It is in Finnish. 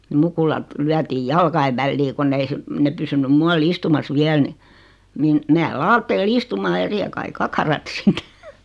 niin mukulat lyötiin jalkojen väliin kun ei he ne pysynyt muualla istumassa vielä niin niin minä laittelin istumaan ja siihen kaikki kakarat sitten